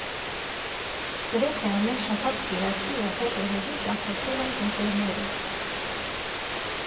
Գրեթե ամեն շաբաթ֊կիրակի ու ազատ օրերին ճամփորդել ենք ընկերներով։